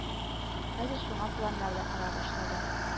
Хәзер шуңа планнар да кора башлады